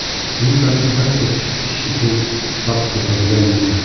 keyinchalik barcha ish uchun vaqt topadigan bo'ldi